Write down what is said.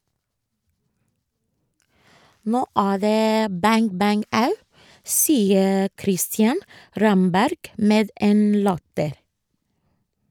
Nå er det "bang-bang-au!", sier Christian Ramberg med en latter.